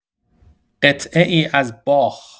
قطعه‌ای از باخ